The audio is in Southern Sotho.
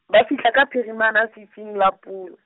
ba fihla ka phirimana fifing la pulo.